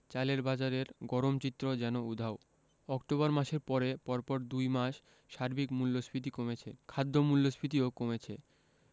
চালের বাজারের গরম চিত্র যেন উধাও অক্টোবর মাসের পরে পরপর দুই মাস সার্বিক মূল্যস্ফীতি কমেছে খাদ্য মূল্যস্ফীতিও কমেছে